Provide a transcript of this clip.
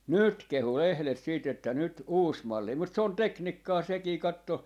nyt kehui lehdet sitten että nyt uusi malli mutta se on tekniikkaa sekin katso